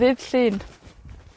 Ddydd Llun.